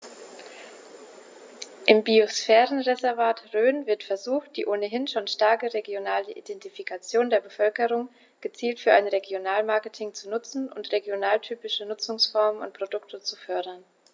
Im Biosphärenreservat Rhön wird versucht, die ohnehin schon starke regionale Identifikation der Bevölkerung gezielt für ein Regionalmarketing zu nutzen und regionaltypische Nutzungsformen und Produkte zu fördern.